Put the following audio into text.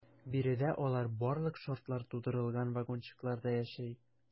Биредә алар барлык шартлар тудырылган вагончыкларда яши.